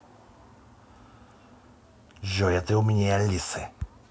джой а ты умнее алисы